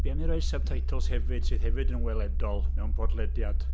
Be am ni roi subtitles hefyd, sydd hefyd yn weledol mewn podlediad?